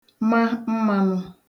ma mmānụ̄